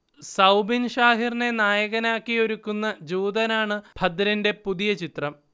സൗബിൻ ഷാഹിറിനെ നായകനാക്കി ഒരുക്കുന്ന ജൂതനാണ് ദഭ്രന്റെ പുതിയ ചിത്രം